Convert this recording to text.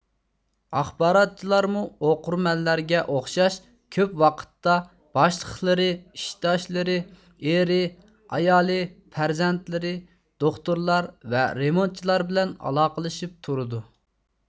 ئاخباراتچىلارمۇ ئوقۇرمەنلەرگە ئوخشاش كۆپ ۋاقىتتا باشلىقلىرى ئىشداشلىرى ئېرى ئايالى پەرزەنتلىرى دوختۇرلار ۋە رېمونتچىلار بىلەن ئالاقىلىشىپ تۇرىدۇ